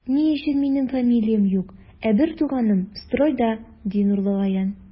Ни өчен минем фамилиям юк, ә бертуганым стройда, ди Нурлыгаян.